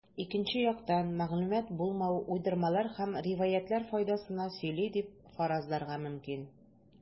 Икенче яктан, мәгълүмат булмау уйдырмалар һәм риваятьләр файдасына сөйли дип фаразларга мөмкин.